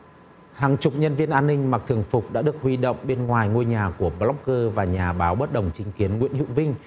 hàng chục nhân viên an ninh mặc thường phục đã được huy động bên ngoài ngôi nhà của bờ lốc gơ và nhà báo bất đồng chính kiến nguyễn hữu vinh